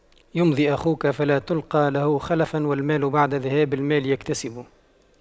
يمضي أخوك فلا تلقى له خلفا والمال بعد ذهاب المال يكتسب